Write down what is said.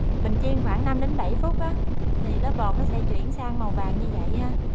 mình chiên khoảng phút á thì lớp bột nó sẽ chuyển sang màu vàng như vậy ha